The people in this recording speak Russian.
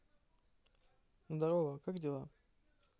здорово как дела